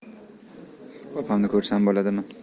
opamni ko'rsam bo'ladimi